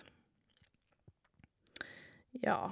Ja.